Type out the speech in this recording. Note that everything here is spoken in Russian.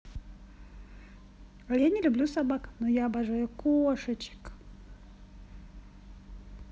а я не люблю собак но я обожаю кошечек